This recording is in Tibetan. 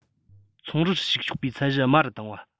ཚོང རར ཞུགས ཆོག པའི ཚད གཞི དམའ རུ བཏང བ